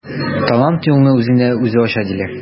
Талант юлны үзенә үзе ача диләр.